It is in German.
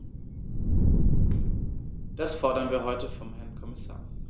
Das fordern wir heute vom Herrn Kommissar.